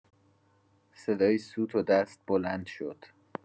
صدای سوت و دست بلند شد.